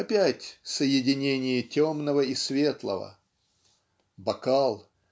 опять соединение темного и светлого. Бокал